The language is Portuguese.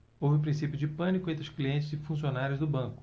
houve princípio de pânico entre os clientes e funcionários do banco